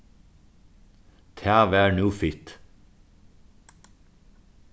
tað var nú fitt